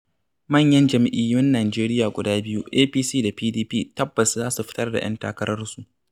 Manyan jam'iyyun Najeriya guda biyu, APC da PDP, tabbas za su fitar da 'yan takararsu: